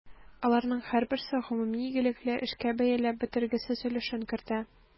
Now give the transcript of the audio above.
Аларның һәрберсе гомуми игелекле эшкә бәяләп бетергесез өлешен кертә.